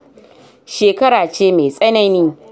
Shekara ce mai tsanani.